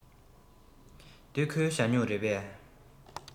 འདི ཁོའི ཞ སྨྱུག རེད པས